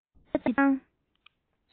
དྲིལ བརྡ བཏང